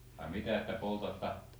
ai mitä että poltatte